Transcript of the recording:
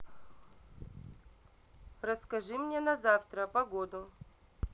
расскажи мне на завтра погоду